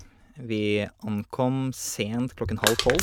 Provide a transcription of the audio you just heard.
Vi ankom sent klokken halv tolv.